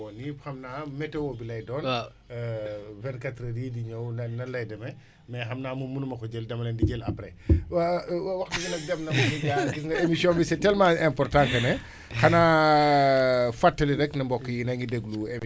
vingt quatre heures yii di ñëw nan nan lay demee mais xam naa munuma ko jël dama leen di jël après waa waxtu bi dab nañu gis nga émission bi c' est tellement important que ne xanaa fàttali rek ne mbokk yi yéen a ngi déglu émission bii nga xam ne ñu ngi ko dugal ci pro